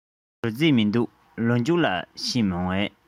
ད ལྟ འགྲོ རྩིས མི འདུག ལོ མཇུག ལ ཕྱིན མིན འགྲོ